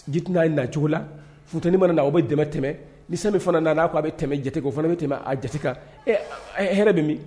Ji t'ɛ na a na cogo la tuguni, funtɛni mana na o bɛ dama tɛmɛ , ni san fana na na, a bɛ tɛmɛ jate kan, o fana bɛ tɛmɛ a jate kan hɛrɛ bɛ min?